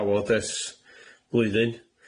cawod ers blwyddyn